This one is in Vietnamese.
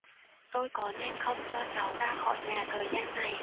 tôi có nên không cho cháu ra khỏi nhà thời gian này